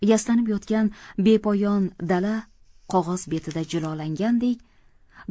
yastanib yotgan bepoyon dala qog'oz betida jilolangandek